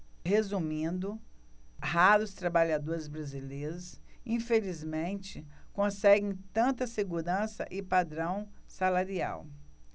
resumindo raros trabalhadores brasileiros infelizmente conseguem tanta segurança e padrão salarial